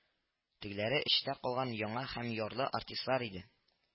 Тегеләре эчтә калган яңа һәм ярлы артистлар иде